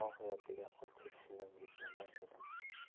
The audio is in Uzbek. uncha tushunib yetmagan edim